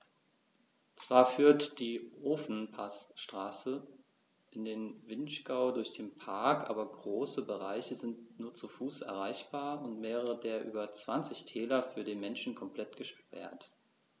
Zwar führt die Ofenpassstraße in den Vinschgau durch den Park, aber große Bereiche sind nur zu Fuß erreichbar und mehrere der über 20 Täler für den Menschen komplett gesperrt.